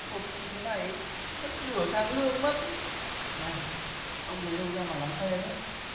nộp phí thế này mất nửa tháng lương mất này ông lấy đâu ra mà lắm xe thế